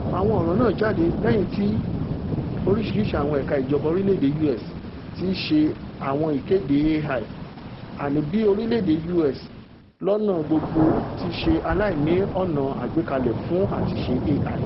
Àwọn ọ̀rọ náà jáde lẹ́yìn tí oríṣiríṣi àwọn ẹ̀ka ìjọba orílẹ̀-èdè U.S. tiṣe àwọn ìkéde AI, àní bíi orílẹ̀-èdè U.S. lọ́nà gbogbo tisẹ aláìní ọ̀nà àgbékalẹ̀ fun àtiṣe AI.